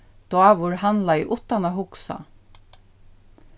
dávur handlaði uttan at hugsa